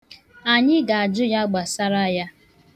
Anyị ga-ajụ ya gbasara ya.